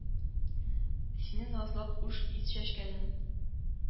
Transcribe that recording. Сине назлап хуш ис чәчкәнен.